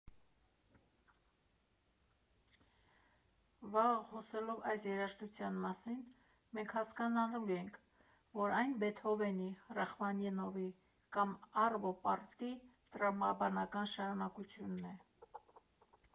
Վաղը, խոսելով այս երաժշտության մասին, մենք հասկանալու ենք, որ այն Բեթհովենի, Ռախմանինովի կամ Առվո Պառտի տրամաբանական շարունակությունն է։